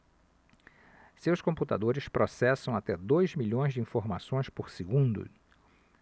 seus computadores processam até dois milhões de informações por segundo